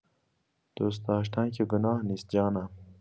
دوست‌داشتن که گناه نیست جانم.